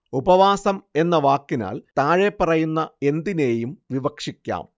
ഉപവാസം എന്ന വാക്കിനാൽ താഴെപ്പറയുന്ന എന്തിനേയും വിവക്ഷിക്കാം